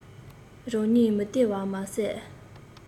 རང ཉིད མི བདེ བ མ ཟད